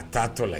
A taa tɔ la